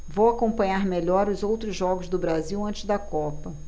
vou acompanhar melhor os outros jogos do brasil antes da copa